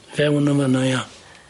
Mewn yn fan 'na ia.